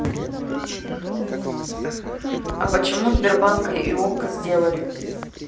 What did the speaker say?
а почему сбербанка и okko сделали